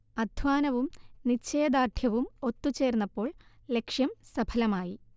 അധ്വാനവും നിശ്ചയദാർഢ്യവും ഒത്തു ചേർന്നപ്പോൾ ലക്ഷ്യം സഫലമായി